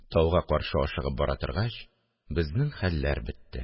Тауга каршы ашыгып бара торгач, безнең хәлләр бетте